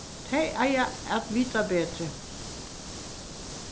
tey eiga at vita betri